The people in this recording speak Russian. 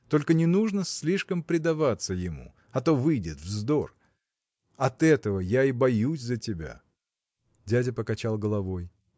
только не нужно слишком предаваться ему а то выйдет вздор. От этого я и боюсь за тебя. – Дядя покачал головой.